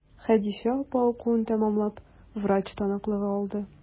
Хәдичә апа укуын тәмамлап, врач таныклыгы алды.